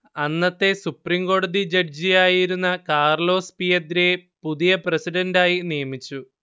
അന്നത്തെ സുപ്രീം കോടതി ജഡ്ജിയായിരുന്ന കാർലോസ് പിയദ്രയെ പുതിയ പ്രസിഡന്റായി നിയമിച്ചു